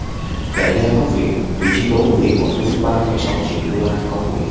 đại gia gốc việt bị truy tố vì bỏ túi ba phẩy sáu triệu đô la công quỹ